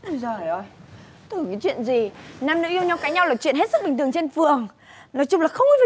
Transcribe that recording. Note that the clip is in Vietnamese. ui giời ơi tưởng cấy chuyện gì nam nữ yêu nhau cãi nhau là chuyện hết sức bình thường trên phường nói chung là không có